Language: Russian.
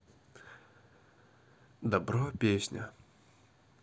добро песня